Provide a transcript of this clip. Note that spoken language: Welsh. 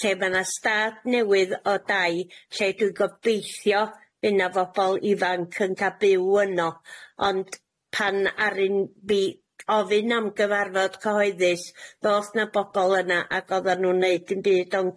lle ma' na stad newydd o dai lle dwi gobeithio un o fobol ifanc yn ca'l byw yno ond pan aryn fi ofyn am gyfarfod cyhoeddus ddoth na bobol yna ag oddan nw'n neud dim byd o'n